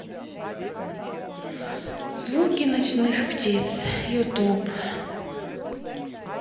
звуки ночных птиц ютуб